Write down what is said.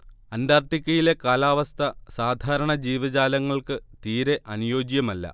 അന്റാർട്ടിക്കയിലെ കാലാവസ്ഥ സാധാരണ ജീവജാലങ്ങൾക്ക് തീരെ അനുയോജ്യമല്ല